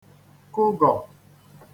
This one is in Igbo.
-kụgọ̀